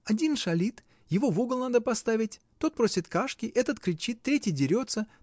Один шалит, его в угол надо поставить, тот просит кашки, этот кричит, третий дерется